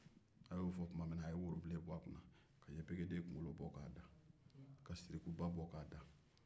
a y'o fɔ tuma min na a ye yefegeden kunkolo bɔ k'a da ka sirikuba bɔ ka woro bilen bɔ ka sɛgɛnji bɔ